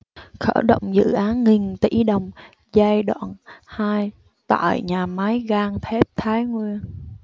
khởi động dự án nghìn tỉ đồng giai đoạn hai tại nhà máy gang thép thái nguyên